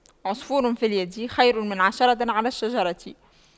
عصفور في اليد خير من عشرة على الشجرة